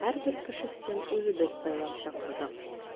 Һәрбер кешесен үзебез сайлап чакырдык.